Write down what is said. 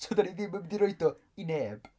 So dan ni ddim yn mynd i roid o i neb!